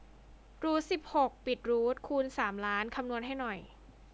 รูทสิบหกปิดรูทคูณสามล้านคำนวณให้หน่อย